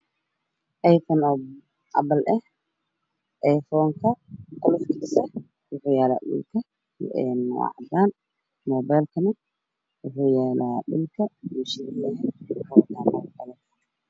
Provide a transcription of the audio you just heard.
Waa mobel iphone ah beerka qolkiisa wuxuu yaalla dhulka telefoonka waxa uu saaran yahay miiska